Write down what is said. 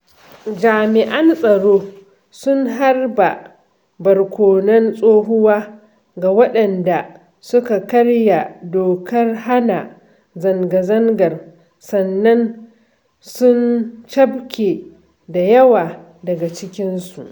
Jami'an tsaro sun harba barkonon tsohuwa ga waɗanda suka karya dokar hana zanga-zangar sannan sun cafke da yawa daga cikinsu.